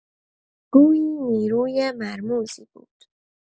گویی نیروی مرموزی بود.